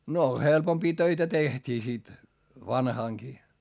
no helpompia töitä tehtiin sitten vanhanakin